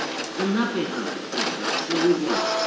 Dyna be roddodd fi ar y trywydd iawn.